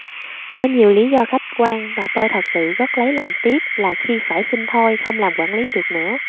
có nhiều lí do khách quan và tôi thật sự rất lấy làm tiếc là khi phải xin thôi không làm quản lí được nữa